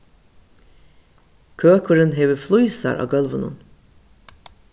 køkurin hevur flísar á gólvinum